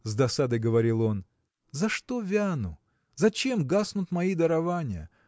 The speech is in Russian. – с досадой говорил он, – за что вяну? Зачем гаснут мои дарования?